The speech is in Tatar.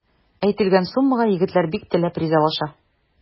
Әйтелгән суммага егетләр бик теләп ризалаша.